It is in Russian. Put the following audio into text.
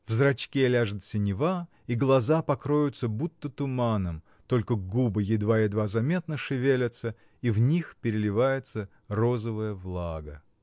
в зрачке ляжет синева, и глаза покроются будто туманом, только губы едва-едва заметно шевелятся, и в них переливается розовая влага.